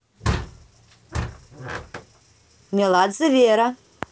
меладзе вера